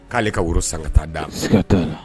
K'ale ka woro sagata da